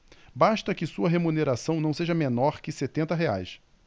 basta que sua remuneração não seja menor que setenta reais